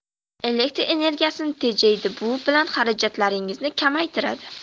elektr energiyasini tejaydi bu bilan xarajatlaringizni kamaytiradi